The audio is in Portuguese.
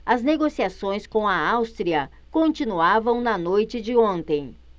as negociações com a áustria continuavam na noite de ontem